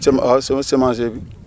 sem waaw sem semence bi